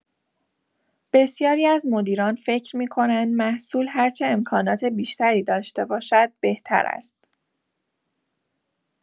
بسیاری از مدیران فکر می‌کنند محصول هرچه امکانات بیشتری داشته باشد، بهتر است.